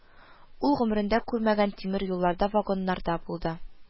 Ул гомерендә күрмәгән тимер юлларда, вагоннарда булды